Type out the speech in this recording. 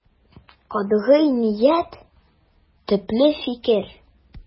Катгый ният, төпле фикер.